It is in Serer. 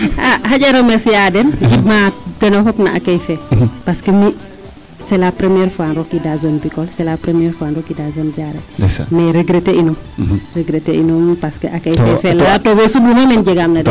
AA xaƴa remercier a den gidma den o fop na acceuil fee parce que mi' c' est la premier fois rokiida zone Bicole c' est la premier fois rokiida zone Diarekh mais regretter i num regreter inum parce que acceuil fee.